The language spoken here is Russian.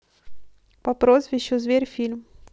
по прозвищу зверь фильм